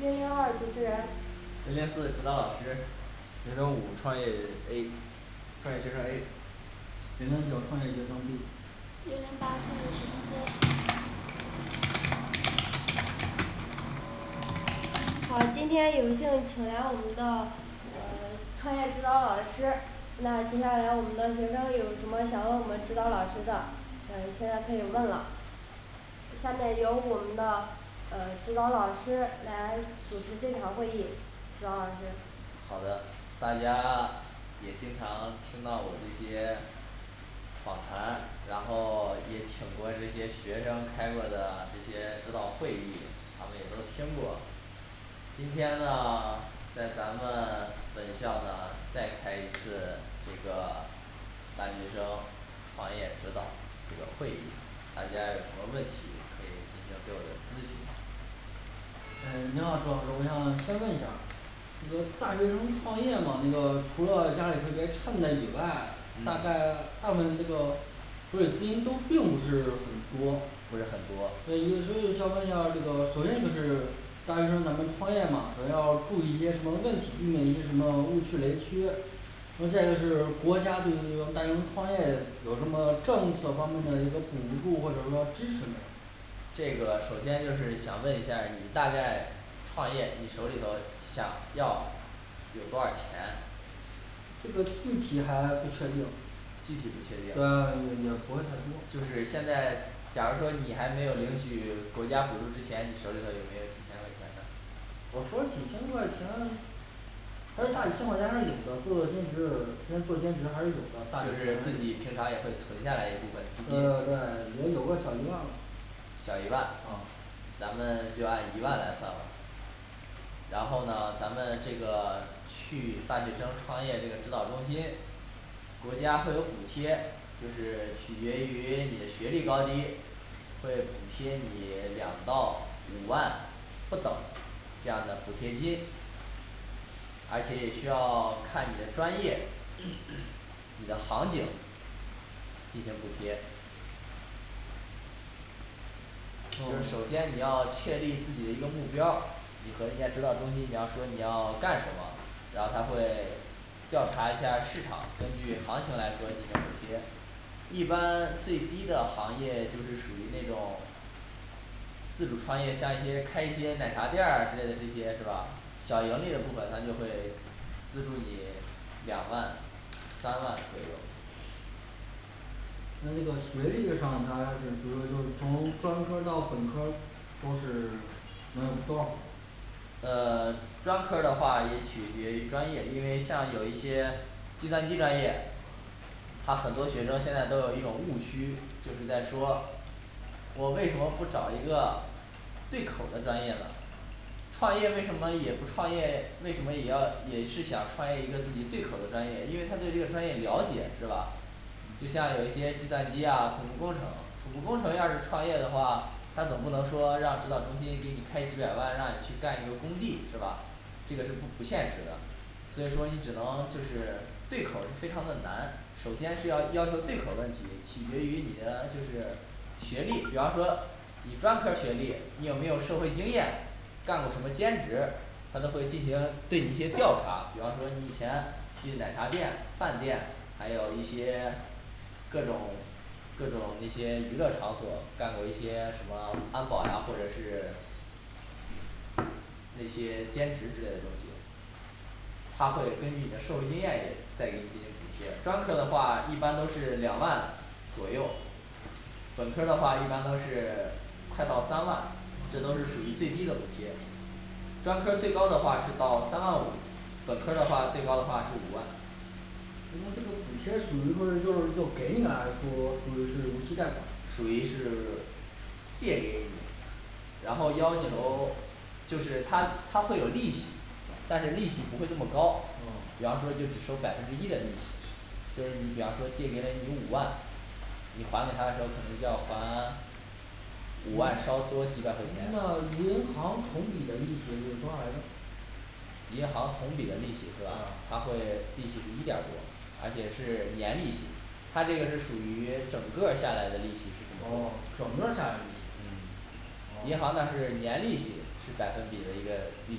零零二主持人零零四指导老师零零五创业A 创业学生A 零零九创业学生B 零零八创业学生C 好今天有幸请来我们的呃创业指导老师，那接下来我们的学生有什么想问我们指导老师的嗯现在可以问了下面由我们的呃指导老师来主持这场会议。指导老师好的，大家 也经常听到我这些 访谈，然后也请过这些学生开过的这些指导会议，他们也都听过。今天呢在咱们本校呢再开一次这个大学生创业指导这个会议，大家有什么问题？可以进行对我咨询。嗯你好，指导老师，我想先问一下儿啊这个大学生创业嘛那个除了家里特别衬的以外，大概大部分那个所以资金都并不是很多不是很多，，嗯一个所以想问一下儿这个首先这个是大学生咱们创业嘛首先要注意一些什么问题，避免一些什么误区雷区，那再一个就是国家对这个大学生创业有什么政策方面的一个补助或者说支持没有？这个首先就是想问一下儿你大概创业你手里头想要有多少钱？这个具体还不确定。具体不确但也也定不会太，多就是现在假如说你还没有领取国家补助之前，你手里头有没有几千块钱呐？我说几千块钱，还是大几千块钱还是有的，做个兼职兼做兼职还是有的，大几就千块是钱自己平常也会存下来一部分资，金呃的，对也有个小一万了。小一万嗯咱们就按一万来算吧。然后呢咱们这个去大学生创业这个指导中心国家会有补贴，就是取决于你的学历高低，会补贴你两到五万不等这样的补贴金而且也需要看你的专业，你的行景进行补贴这个嗯首先你要确立自己的一个目标，你和人家指导中心你要说你要干什么，然后他会 调查一下儿市场，根据行情来说进行补贴一般最低的行业就是属于那种 自主创业，像一些开一些奶茶店儿之类的这些是吧？小盈利的部分他就会资助你两万三万左右。那这个学历上他是比如就是从专科儿到本科儿，都是能有多少？呃专科儿的话也取决于专业，因为像有一些计算机专业，怕很多学生现在都有一种误区，就是在说我为什么不找一个对口儿的专业呢创业为什么也不创业？为什么也要也是想创业一个自己对口儿的专业，因为他对这个专业了解是吧？就像有一些计算机啊、土木工程、土木工程要是创业的话，他总不能说让指导中心给你开几百万，让你去干一个工地是吧？这个是不不现实的所以说你只能就是对口是非常的难，首先是要要求对口问题取决于你的就是学历，比方说你专科儿学历，你有没有社会经验，干过什么兼职，可能会进行对你一些调查，比方说你以前去奶茶店饭店，还有一些各种各种一些娱乐场所，干过一些什么安保啊或者是那些兼职之类的东西他会根据你的社会经验也再给你进行补贴，专科儿的话一般都是两万左右，本科儿的话一般都是快到三万，这啊都是属于最低的补贴。专科儿最高的话是到三万五，本科儿的话最高的话是五万。人家这个补贴属于说是就是就给你了，还是说属于是无息贷款属于是借给你然后要求就是他他会有利息，但是利息不会这么高嗯，比方说就只收百分之一的利息就是你比方说借给了你五万你还给他的时候可能就要还 五万稍多几百块钱，那银行同比的利息是多少来着？银行同比的利息是对吧啊？他会利息是一点儿多，而且是年利息他这个是属于整个下来的利息是这么多，嗯哦整个下来利息嗯银行噢那是年利息是百分比的一个利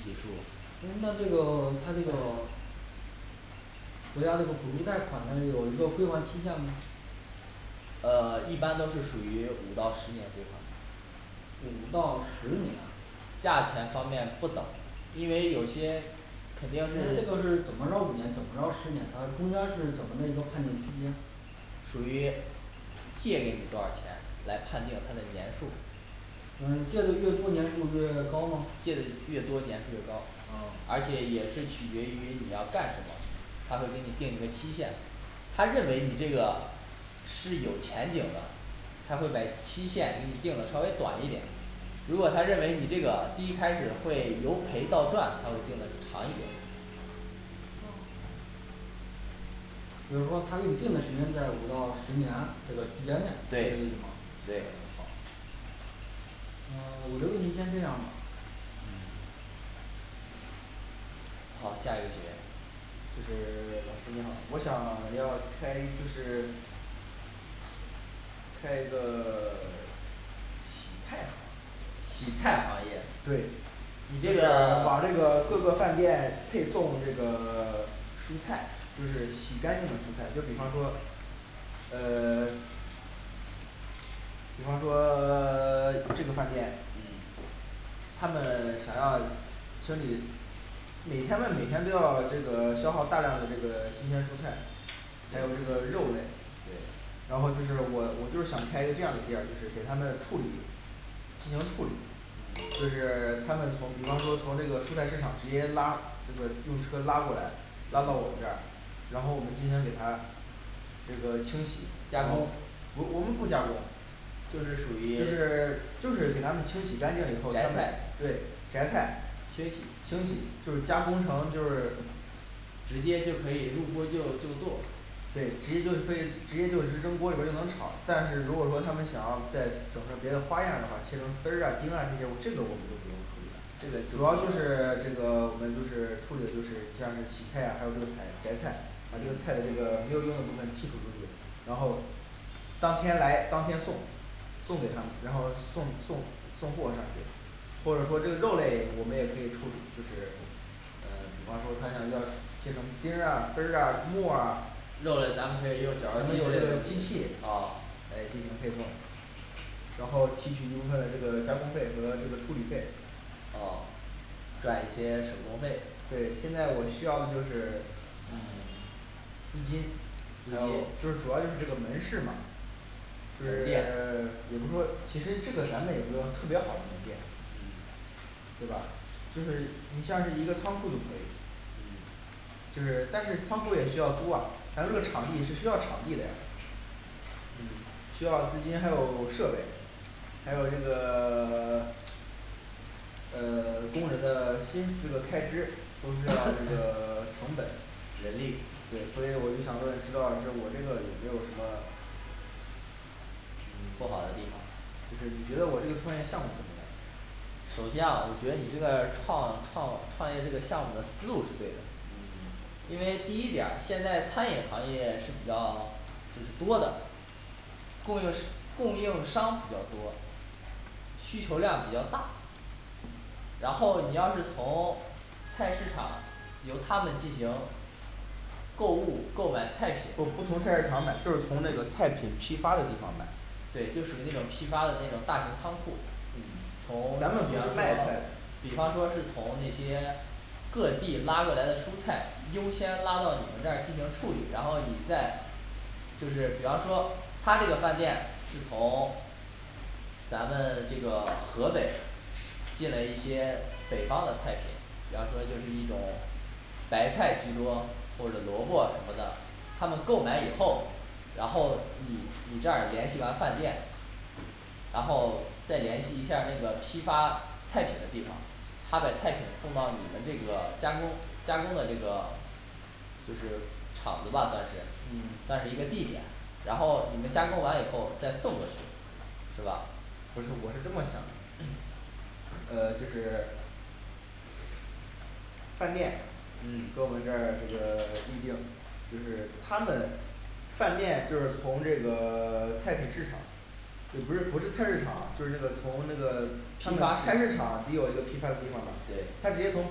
息数，哦那这个他这个。国家这个补助贷款他就有一个归还期限吗？呃一般都是属于五到十年归还五到十年价钱方面不等，因为有些肯定那是这个是怎么着五年怎么着十年它中间儿是怎么的一个判定区间？属于借给你多少钱来判定它的年数？嗯借的越多年数越高吗借的越多年数越高？啊，而且也是取决于你要干什么，他会给你定一个期限他认为你这个是有前景的，他会给期限给你定的稍微短一点如果他认为你这个第一开始会由赔到赚，他会定的长一点儿，哦比如说他给你定的时间在五到十年这个区间面，是这对个意思吗对？好那我的问题先这样吧。嗯好，下一个学员就是我想要开就是开一个 洗菜行洗菜行业对你这个把这个各个饭店配送这个 蔬菜，就是洗干净的蔬菜，就比方说呃 比方说 这个饭店，嗯他们想要清理，每天的每天都要这个消耗大量的这个新鲜蔬菜，还有这个肉类对，然后就是我我就是想开一个这样的店儿就是给他们处理进行处理。就是他们从比方说从这个蔬菜市场直接拉这个用车拉过来，拉到我嗯们这儿，然后我们进行给他这个清洗，加工我我们不加工就是属于，摘就是就是给他们清洗干净以后，对摘菜菜，清清洗洗就是加工成就是直接就可以入锅就就做。对，直接就可以直接就是扔锅里面儿就能炒，但是如果说他们想要再整成别的花样的话，切成丝儿啊钉啊这些这个我们就不用处理了这个主要就是 这个我们就是处理的就是你像这个洗菜啊，还有这个采摘菜，还有就是菜的这个没有用的部分剔除出去然后。当天来当天送送给他们，然后送送送货上去或者说这个肉类我们也可以处理就是。嗯比方说他想要切成丁儿啊丝儿啊、沫儿啊、那肉嘞咱们可以用绞肉机有那类个机器的，啊来进行配合，然后提取一部分的这个加工费和这个处理费，哦赚一些手工费对现在我需要的就是嗯资金，资还有金就主要就是这个门市嘛就门是店 比如说，其实这个咱们也不用特别好的门店嗯对吧？就是你像是一个仓库就可以嗯就是但是仓库也需要租啊，咱们这个场地是需要场地的呀，嗯需要资金，还有设备还有这个 呃 工人的薪这个开支都需要这 个成本人力。对，所以我就想问指导老师我这个有没有什么嗯不好的地方就是你觉得我这个创业项目怎么样？首先啊我觉得你这个创创创业这个项目的思路是对的嗯因为第一点儿，现在餐饮行业是比较是多的供应商 供应商比较多需求量比较大然后你要是从菜市场由他们进行购物购买菜品，不不从菜市场买，就是从那个菜品批发的地方买。对，就属于那种批发的那种大型仓库，从嗯，比方咱们不是卖菜说的比方说是从那些各地拉过来的蔬菜优先拉到你们这儿进行处理，然后你再就是比方说他这个饭店是从咱们这个河北进了一些北方的菜品，比方说就是一种白菜居多或者萝卜什么的，他们购买以后，然后你你这儿联系完饭店，然后再联系一下儿那个批发菜品的地方，他的菜品送到你们的那个加工加工的这个就是厂子吧算嗯是算是一个地点，然后你们加工完以后再送过去，是吧？不是我是这么想。呃就是饭店嗯跟我们这儿这个预定，就是他们饭店就是从这个菜品市场，也不是不是菜市场，就是那个从那批发个，菜市场也有一个批菜的地方吧对，他直接从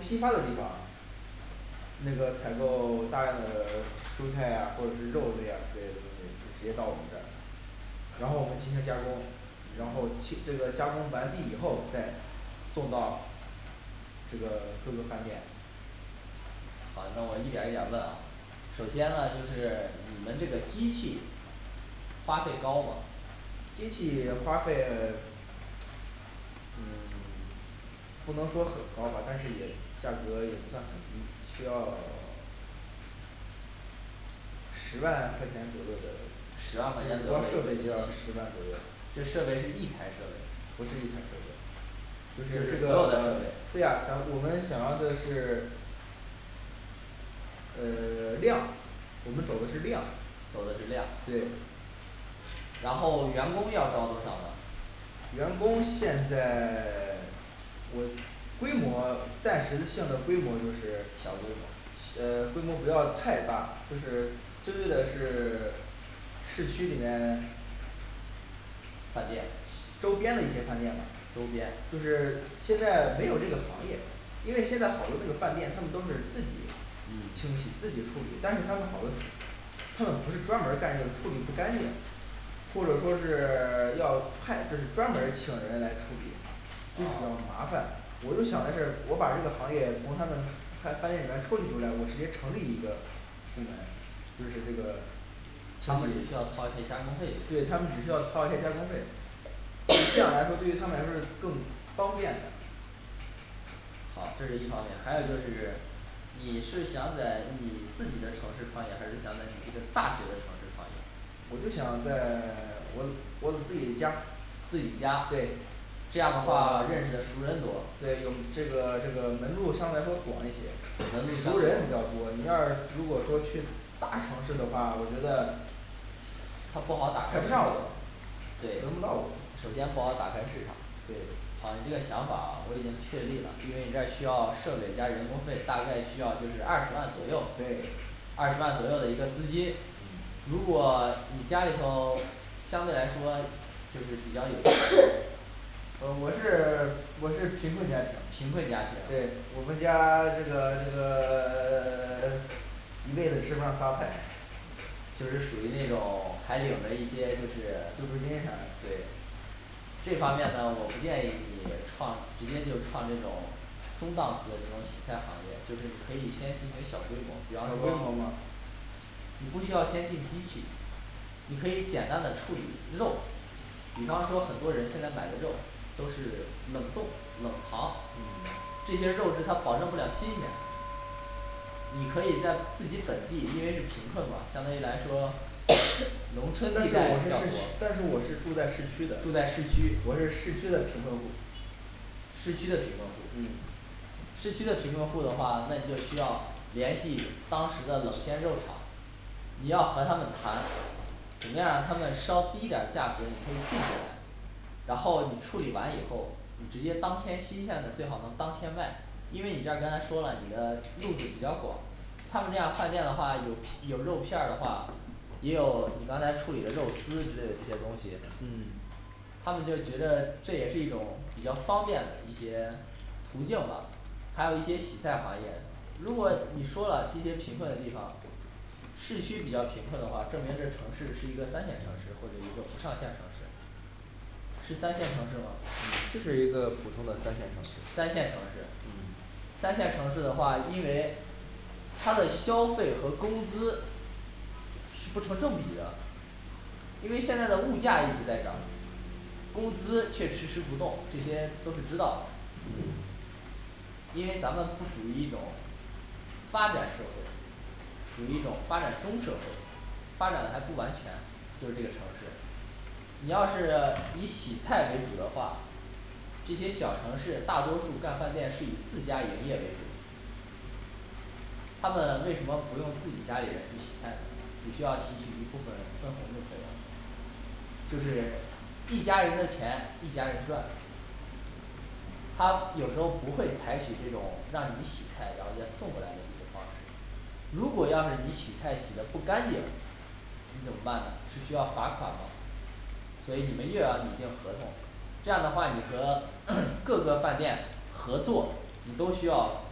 批发的地方那个采购大量的蔬菜啊或者是肉类啊这些东西直接到我们这儿来，然后我们进行加工。然后切这个加工完毕以后，再送到这个各个饭店好，那我一点儿一点儿问啊。首先呢就是你们这个机器花费高吗机器花费 嗯 不能说很高吧，但是也价格也不算很低。需要 十万块钱左右的，十万块钱就是左光右设备就要十万左右，。这不是设备是一一台台设设备。备。就是这这所有的设个备 对啊咱我们想要的是 呃量， 我们走的是量走的是量，对然后员工要招多少呢员工现在 我规模暂时性的规模就是小小规模 呃规模不要太大，就是针对的是 市区里面饭店周周边边的一些饭店嘛就是现在没有这个行业，因为现在好多这个饭店他们都是自己以清洗自己处理，但是他们好多他们不是专门儿干这个处理不干净或者说是 要派就是专门儿请人来处理，就比较哦麻烦，我就想的是我把这个行业从他们饭饭店里面抽取出来，我直接成立一个部门就是这个相比，对，他们只需需要要掏掏一一些些加工费就，加工费，这样来说 对于他们来说更方便好，这是一方面，还有就是你是想在你自己的城市创业，还是想在你这个大学的城市创业？我就想在 我我自己家自己家对。这样的话认识的熟人多，对有这个这个门路相对来说广一些。熟人比较多，你要如果说去大城市的话，我觉得他不好打开对，轮不到我首先不好打开市场对，好你这个想法我已经确立了，因为你这儿需要设备加人工费，大概需要就是二十万左右，对二十万左右的一个资金嗯。 如果你家里头相对来说就是比较有钱 嗯我是 我是贫困家贫困家庭庭，对我们家这个这个 一辈子吃饭仨菜，就救助是属于金那啥种还领着一些就是，的对。这方面呢我不建议你创直接就创那种中档次的这种洗菜行业，就是你可以先进行小规模，比小方说规模吗你不需要先进机器你可以简单的处理肉比方说很多人现在买的肉都是冷冻冷藏嗯，这些肉质他保证不了新鲜你可以在自己本地，因为是贫困嘛，相当于来说 但农村地是带较我这是但是多我，是住住在在市区的，市区我是市区的贫困户市区的贫困户嗯市区的贫困户的话，那你就需要联系当时的冷鲜肉场，你要和他们谈，怎么样他们稍低点儿价格你可以拒绝然后你处理完以后，你直接当天新鲜的最好能当天卖，因为你这儿刚才说了，你的路子比较广他们这样饭店的话有片 有肉片儿的话，也有你刚才处理的肉丝之类的这些东西嗯他们就觉得这也是一种比较方便的一些途径吧。还有一些洗菜行业，如果你说了这些贫困的地方，市区比较贫困的话，证明这城市是一个三线城市或者一个不上线儿城市。是三线城市吗嗯？就三是一线个普通的三线城城市市。嗯三线城市的话，因为他的消费和工资是不成正比的，因为现在的物价一直在涨，工资却迟迟不动，这些都是知道的嗯因为咱们不属于一种发展社会属于一种发展中社会发展还不完全，就这个城市你要是以洗菜为主的话，这些小城市大多数干饭店是以自家营业为主，他们为什么不用自己家里人去洗菜呢？只需要提取一部分分红就可以了就是一家人的钱一家人赚他有时候不会采取这种让你洗菜，然后再送回来的一个方式如果要是你洗菜洗的不干净你怎么办？是需要罚款吗？所以你们越要拟定合同这样的话你和 各个饭店合作，你都需要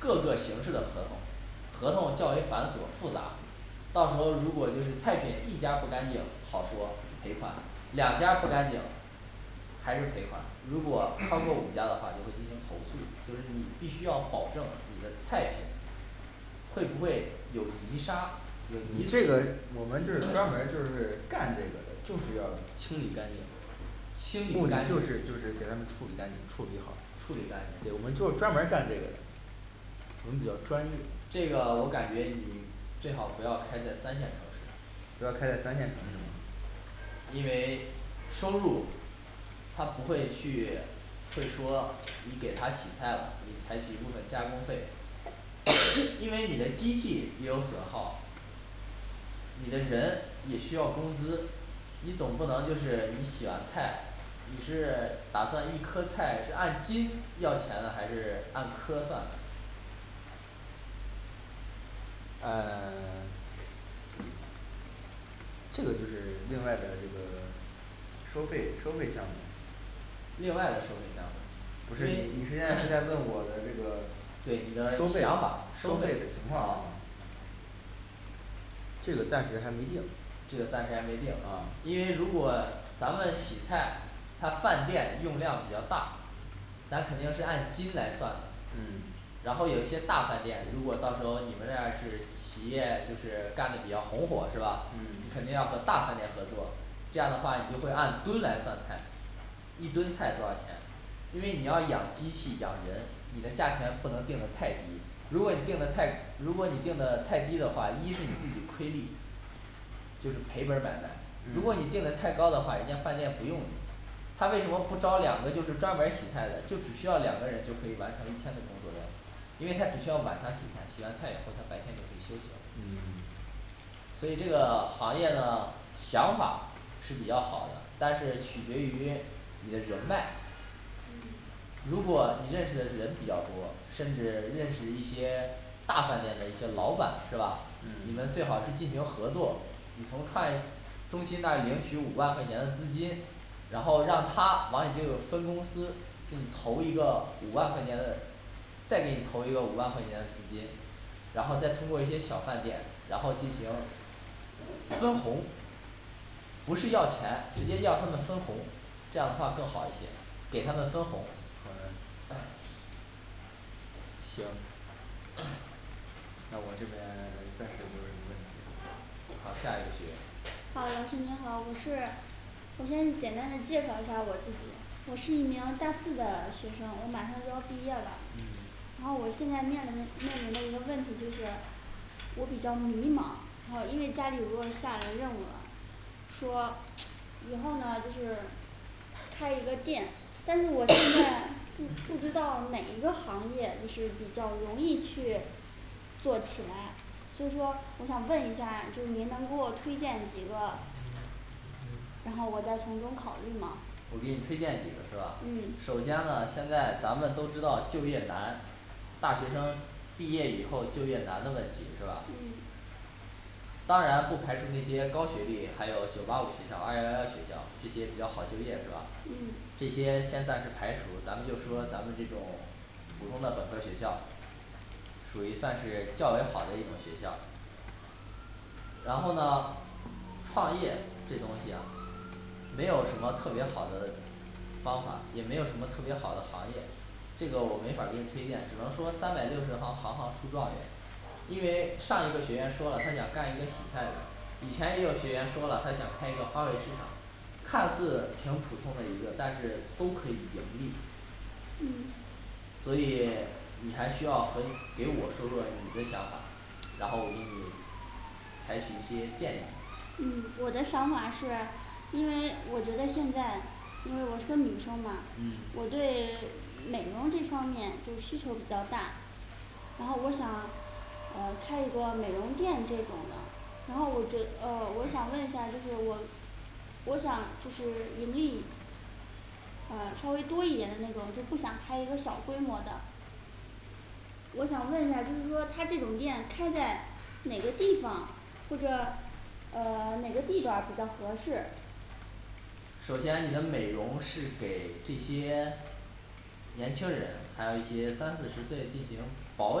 各个形式的合同，合同较为繁琐复杂，到时候如果就是菜品一家儿不干净，好说赔款两家儿不干净，还是赔款，如果超过五家的话就会进行投诉，就是你必须要保证你的菜品会不会有泥沙有泥这个土我们就是专门儿就是干这个的，就是要清理干净清理目干的净，处就是就是给他们处理理干干净，处理好净，对我们就是专门儿干这个的。我们比较专业，这个我感觉你最好不要开在三线城市，不要开在三线城市吗因为收入他不会去会说你给他洗菜了，你采取一部分加工费，因为你的机器也有损耗你的人也需要工资你总不能就是你洗完菜，你是打算一颗菜是按斤要钱呢还是按颗算呢？嗯 这个就是另外的这个收费收费项目另外的收费项目不是，你是现在是在问我的这对，你的个收费想法儿收收费费的情，啊况，这个暂时还没定。这个暂时还没定啊，因为如果咱们洗菜他饭店用量比较大咱肯定是按斤来算的嗯然后有一些大饭店，如果到时候你们这儿是企业就是干的比较红火是吧嗯？肯定要和大饭店合作，这样的话你就会按吨来算菜一吨菜多少钱因为你要养机器养人，你的价钱不能定的太低，如果你定的太如果你定的太低的话，一是你自己亏利就是赔本儿买卖，如果你嗯定的太高的话，人家饭店不用他为什么不招两个，就是专门儿洗菜的，就只需要两个人就可以完成一天的工作量因为他只需要晚上洗菜，洗完菜以后他白天就可以休息了嗯所以这个行业呢想法儿是比较好的，但是取决于你的人脉。如果你认识的人比较多，甚至认识一些大饭店的一些老板是吧？你嗯们最好是进行合作你从创业中心那儿领取五万块钱的资金然后让他往你这个分公司给你投一个五万块钱的，再给你投一个五万块钱的资金，然后再通过一些小饭店然后进行分红不是要钱，直接要他们分红这样的话更好一些给他们分红。好的行那我这边暂时没有什么问题好下一个学好，老师您好，我是员我先简单介绍一下儿我自己，我是一名大四的学生，我马上就要毕业了嗯然后我现在面临面临的一个问题就是我比较迷茫，还有因为家里给我下了任务了说以后呢就是开一个店，但是我现在 不不知道哪一个行业就是比较容易去做起来就说我想问一下就是您能给我推荐几个，嗯然后我再从中考虑吗？我给你推荐几个是吧嗯？首先呢现在咱们都知道就业难大学生毕业以后就业难的问题是吧？嗯当然不排除那些高学历，还有九八五学校二幺幺学校这些比较好就业是吧嗯？这些先暂时排除咱们就说咱们这种普通的本科儿学校，属于算是较为好的一个学校。然后呢创业这东西没有什么特别好的方法，也没有什么特别好的行业这个我没法儿给你推荐，只能说三百六十行行行出状元。因为上一个学员说了，他想干一个洗菜的，以前也有学员说了，他想开一个花卉市场看似挺普通的一个，但是都可以盈利，嗯所以你还需要和给我说说你的想法。然后我给你采取一些建议。嗯嗯我的想法是因为我觉得现在因为我是个女生嘛我对美容这方面就需求比较大，然后我想嗯开一个美容店这种的。然后我就呃我想问一下儿就是我我想就是盈利啊稍微多一点的那种，就不想开一个小规模的。我想问一下儿就是说他这种店开在哪个地方或者呃哪个地段儿比较合适？首先你的美容是给这些 年轻人，还有一些三四十岁进行保